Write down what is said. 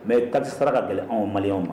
Mɛ ye ta saraka ka gɛlɛn anw mali ma